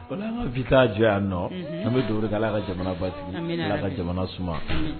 Sani an ka bi ta jɔ yan nɔ, unhun, an bɛ dugawu de kɛ Ala ka jamana basigi, amina, Ala ka jamana suma, amin